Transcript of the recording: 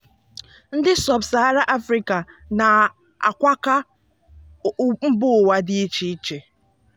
Ndị sub-Sahara Afrịka na-akwaga mbaụwa dị iche iche.